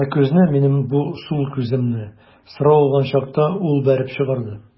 Ә күзне, минем бу сул күземне, сорау алган чакта ул бәреп чыгарды.